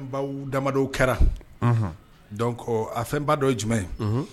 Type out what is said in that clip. Baw damadɔw kɛra a fɛn ba dɔ ye jumɛn ye